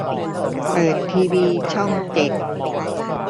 เปิดทีวีช่องเจ็ด